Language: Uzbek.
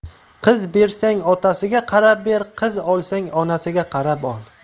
qiz bersang otasiga qarab ber qiz olsang onasiga qarab ol